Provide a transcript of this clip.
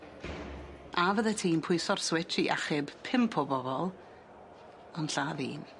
A fyddet ti'n pwyso'r switsh i achub pump o bobol, on' lladd un?